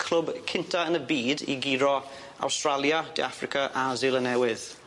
Clwb cynta yn y byd i guro Awstralia, De Affrica a Selan Newydd.